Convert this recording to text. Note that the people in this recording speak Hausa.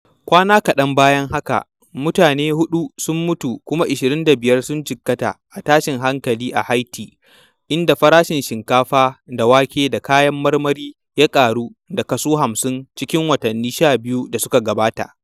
Kwana kaɗan bayan haka, mutane huɗu sun mutu kuma 25 sun jikkata a tashin hankali a Haiti, inda farashin shinkafa da wake da kayan marmari ya ƙaru da 50% cikin watanni 12 da suka gabata.